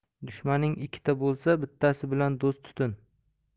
dushmaning ikkita bo'lsa bittasi bilan do'st tutin